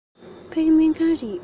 ཕ གི སྨན ཁང རེད